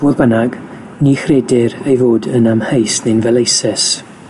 Fodd bynnag, ni chredir ei fod yn amheus neu'n faleisus.